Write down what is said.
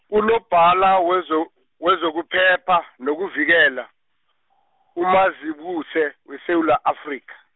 unobhala wezo- wezokuphepha nokuvikela, uMazibuse weSewula Afrika.